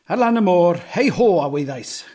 Ar lan y môr, "hei ho" a waeddais.